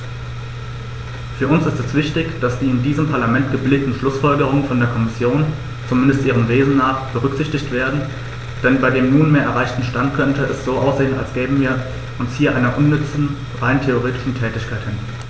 Für uns ist es wichtig, dass die in diesem Parlament gebilligten Schlußfolgerungen von der Kommission, zumindest ihrem Wesen nach, berücksichtigt werden, denn bei dem nunmehr erreichten Stand könnte es so aussehen, als gäben wir uns hier einer unnütze, rein rhetorischen Tätigkeit hin.